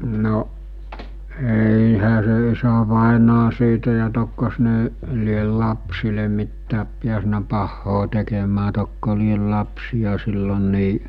no eihän se isävainaja siitä ja tokko ne lie lapsille mitään päässyt pahaa tekemään tokko lie lapsia silloin niin